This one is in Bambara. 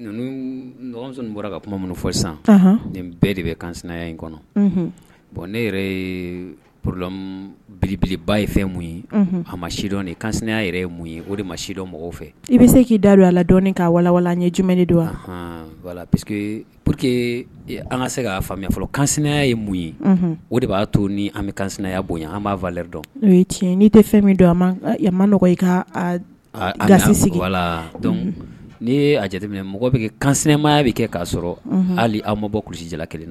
Muso bɔra ka kuma minnu fɔ sisan nin bɛɛ de bɛ kanya in kɔnɔ bɔn ne yɛrɛ ye porodɔnbeleba ye fɛn mun ye a ma sidɔn kansya yɛrɛ ye mun ye o de ma sidɔn mɔgɔw fɛ i bɛ se k'i dadon ala dɔn k kawalan ye jumɛn don wa wala p que p que an ka se k' faamuya fɔlɔ kanya ye mun ye o de b'a to ni an bɛ kansya bon ye an b'afaa dɔn tiɲɛɲɛn n'i tɛ fɛn min don a ma ma n dɔgɔ ka alisi sigi la dɔn' a jate mɔgɔ bɛ kɛ kanmaya bɛ kɛ k'a sɔrɔ hali an mabɔ bɔ kulusija kelen na